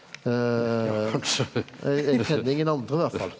eg kjenner ingen andre iallfall.